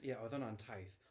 Ie, oedd hwnna'n taith.